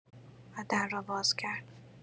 و در را باز کرد.